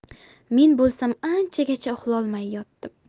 men bo'lsam anchagacha uxlolmay yotdim